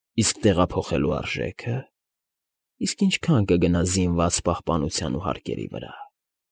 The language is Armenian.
Իսկ տեղափոխելու արժե՞քը։ Իսկ ինչքա՞ն կգնա զինված պահպանության ու հարկերի վրա։